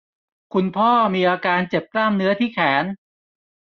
คุณพ่อมีอาการเจ็บกล้ามเนื้อที่แขน